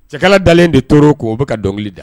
Cɛkala dalen don Toro kun u bi ka dɔnkili da.